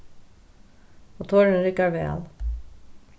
motorurin riggar væl